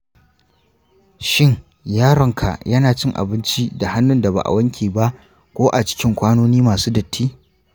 shin yaronka yana cin abinci da hannun da ba a wanke ba ko a cikin kwanoni masu datti?